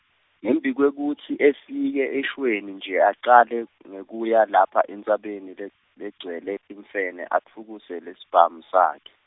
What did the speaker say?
Ngembikwekutsi efike eShweni nje acale ngekuya lapha entsabeni le, legcwele timfene atfukuse lesibhamu sakhe.